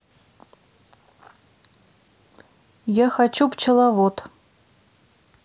я хочу пчеловод